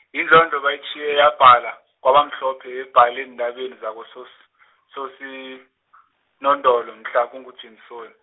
yindlondlo bayitjhiye eyabhala, kwabamhlophe yabhala eentabeni zokosos-, Sosinondolo, mhla kunguJimsoni.